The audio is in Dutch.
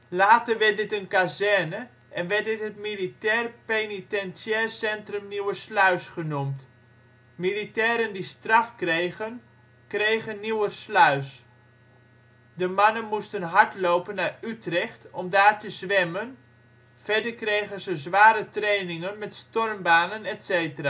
dit een kazerne en werd dit het Militair Penitentiair Centrum Nieuwersluis genoemd. Militairen die straf kregen, ' kregen ' Nieuwersluis. De mannen moesten hardlopen naar Utrecht om daar te zwemmen, verder kregen ze zware trainingen met stormbanen etc.